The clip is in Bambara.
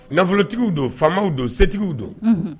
Nafolotigiw don faamaw don setigiw don unhun